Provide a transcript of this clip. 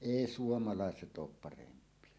ei suomalaiset ole parempia